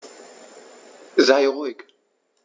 Sei ruhig.